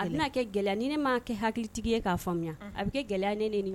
A bɛna kɛ gɛlɛya ni ne ma kɛ hakilitigi ye k'a faamuya a bɛ kɛ gɛlɛya ne ni e ni